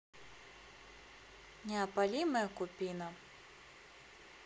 неополимая купина